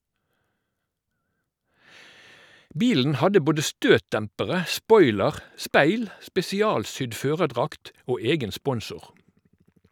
Bilen hadde både støtdempere, spoiler, speil, spesialsydd førerdrakt og egen sponsor.